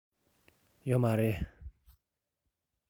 ཡོད མ རེད